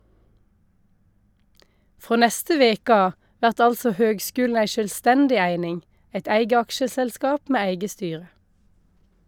Frå neste veke av vert altså høgskulen ei sjølvstendig eining, eit eige aksjeselskap med eige styre.